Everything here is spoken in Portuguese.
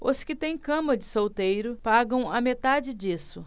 os que têm cama de solteiro pagam a metade disso